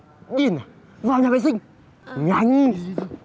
điên à vào nhà vệ sinh nhanh